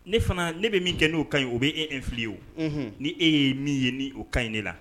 Ne fana ne bɛ min kɛ n'o ka ɲi o bɛ ee fili ye o ni e ye min ye ni o ka ɲi ne la